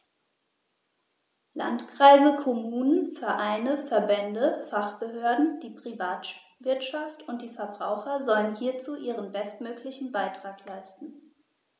Landkreise, Kommunen, Vereine, Verbände, Fachbehörden, die Privatwirtschaft und die Verbraucher sollen hierzu ihren bestmöglichen Beitrag leisten.